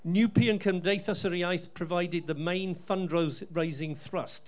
and Cymdeithas yr Iaith provided the main fundrose fundraising thrust